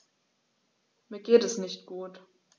Mir geht es nicht gut.